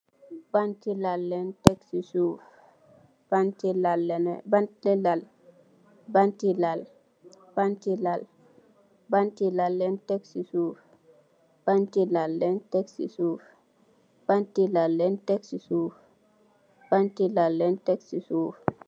Banti Laal lañge tek si suuf. Banti Laal lañge tek si suuf. Banti Laal lañge tek si suuf. Banti Laal lañge tek si suuf.